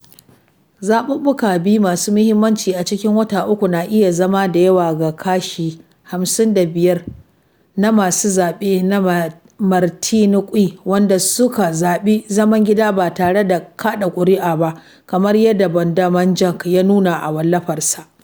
Zaɓuɓɓuka biyu masu mahimmanci a cikin wata uku na iya zama da yawa ga kashi 55.55% na masu zaɓe na Martinique waɗanda suka zaɓi zaman gida ba tare da kaɗa ƙuri’a ba, kamar yadda Bondamanjak ya nuna a wallafarsa [Fr].